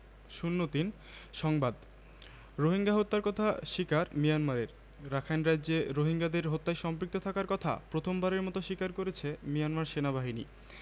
০৩ সংবাদ রোহিঙ্গা হত্যার কথা স্বীকার মিয়ানমারের রাখাইন রাজ্যে রোহিঙ্গাদের হত্যায় সম্পৃক্ত থাকার কথা প্রথমবারের মতো স্বীকার করেছে মিয়ানমার সেনাবাহিনী